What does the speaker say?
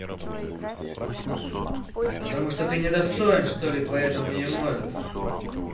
потому что ты недостоин что ли поэтому не можешь